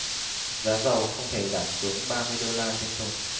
giá dầu không thể giảm xuống ba mươi đô la trên thùng